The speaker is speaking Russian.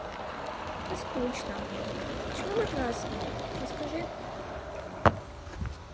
да скучно почему матрасные расскажи